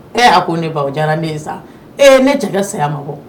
Ee a ko ne ba o diyara ne ye sa ee ne cɛ ka saya ma bɔ